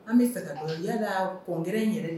An bɛ fɛ k'a dɔn , alla congrès in yɛrɛ